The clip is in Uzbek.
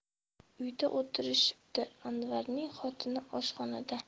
uyda o'tirishibdi anvarning xotini oshxonada